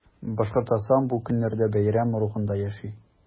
Башкортстан бу көннәрдә бәйрәм рухында яши.